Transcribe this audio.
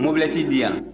mobilɛti di yan